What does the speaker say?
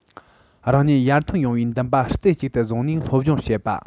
རང ཉིད ཡར ཐོན ཡོང བའི འདུན པ རྩེ གཅིག ཏུ བཟུང ནས སློབ སྦྱོང བྱེད པ